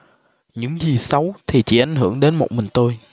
những gì xấu thì chỉ ảnh hưởng đến một mình tôi